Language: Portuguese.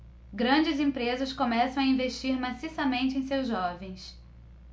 grandes empresas começam a investir maciçamente em seus jovens